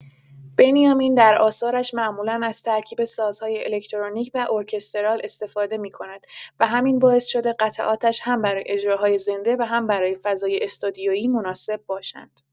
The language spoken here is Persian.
بنیامین در آثارش معمولا از ترکیب سازهای الکترونیک وارکسترال استفاده می‌کند و همین باعث شده قطعاتش هم برای اجراهای زنده و هم برای فضای استودیویی مناسب باشند.